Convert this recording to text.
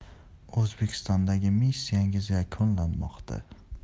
o'zbekistondagi missiyangiz yakunlanmoqda